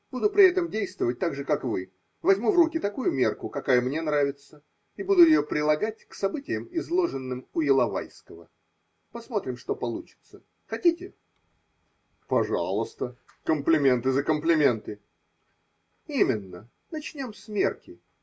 Буду при этом действовать так же, как вы: возьму в руки такую мерку, какая мне нравится, и буду ее прилагать к событиям, изложенным у Иловайского. Посмотрим, что получится. Хотите? – Пожалуйста. Комплименты за комплименты. – Именно. Начнем с мерки.